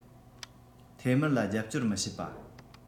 ཐའེ སྨིའར ལ རྒྱབ སྐྱོར མི བྱེད པ